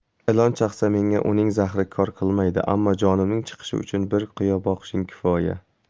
ilon chaqsa menga uning zahri kor qilmaydi ammo jonimning chiqishi uchun bir qiyo boqishing kifoya